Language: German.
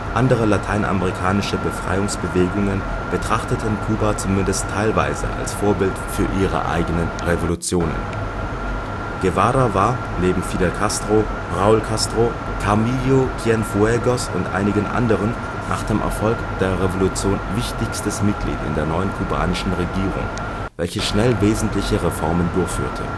Andere lateinamerikanische Befreiungsbewegungen betrachteten Kuba zumindest teilweise als Vorbild für ihre eigenen Revolutionen. Guevara war, neben Fidel Castro, Raúl Castro, Camilo Cienfuegos und einigen anderen, nach dem Erfolg der Revolution wichtiges Mitglied in der neuen kubanischen Regierung, welche schnell wesentliche Reformen durchführte